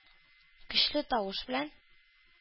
Көчле тавыш белән